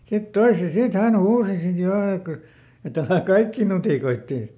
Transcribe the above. sitten toisen sitten hän huusi sitten jo että kyllä että älä kaikkia nutikoitse